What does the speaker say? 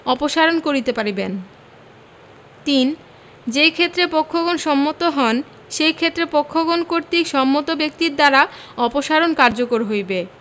অপসারণ করিতে পারিবেন ৩ যেই ক্ষেত্রে পক্ষগণ সম্মত হন সেই ক্ষেত্রে পক্ষগণ কর্তৃক সম্মত ব্যক্তির দ্বারা অপসারণ কার্যকর হইবে